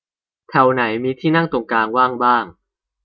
แถวไหนมีที่นั่งตรงกลางว่างบ้าง